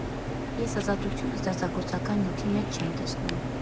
«Ես ազատությունը ստեղծագործական նյութի մեջ չեմ տեսնում։